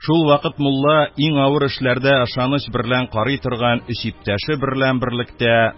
Шул вакыт мулла иң авыр эшләрдә ышаныч берлән карый торган өч иптәше берлән берлектә